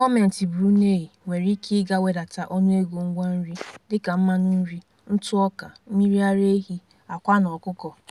Gọọmenti Brunei nwere ike ịga wedata ọnụ ego ngwa nri dị ka mmanụ nri, ntụ ọka, mmiri ara ehi, akwa na ọkụkọ.